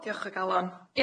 Ww diolch o galon.